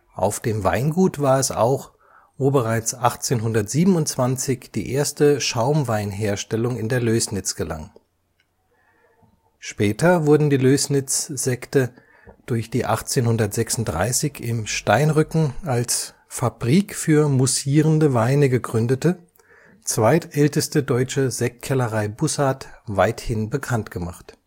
Auf dem Weingut war es auch, wo bereits 1827 die erste Schaumweinherstellung in der Lößnitz gelang. Später wurden die Lößnitzsekte durch die 1836 im Steinrücken als Fabrik für moussierende Weine gegründete, zweitälteste deutsche Sektkellerei Bussard weithin bekannt gemacht